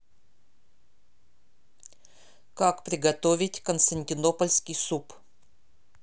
как приготовить константинопольский суп